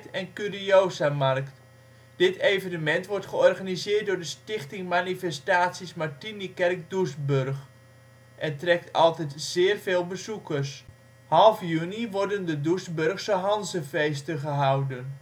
en curiosamarkt. Dit evenement wordt georganiseerd door de Stichting Manifestaties Martinikerk Doesburg (SMMD) en trekt altijd zeer veel bezoekers. Half juni worden de Doesburgse Hanzefeesten gehouden